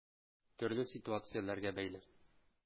Төрле ситуацияләргә бәйле.